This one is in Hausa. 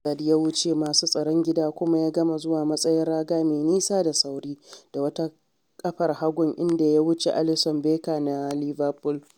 Hazard ya wuce masu tsaron gida kuma ya gama zuwa matsayar raga mai nisa da sauri da wata ƙafar hagun inda ya wuce Alisson Becker na Liverpool.